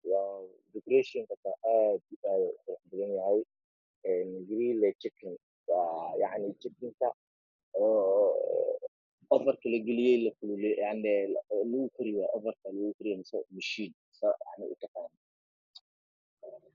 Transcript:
halkan waxa inoo yaalo dooro ladubay waxaa kaloo mesha ka muuqdoh liin iyo qudaar kala duwan